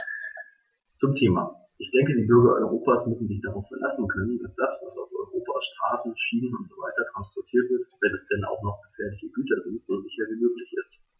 Zum Thema: Ich denke, die Bürger Europas müssen sich darauf verlassen können, dass das, was auf Europas Straßen, Schienen usw. transportiert wird, wenn es denn auch noch gefährliche Güter sind, so sicher wie möglich ist.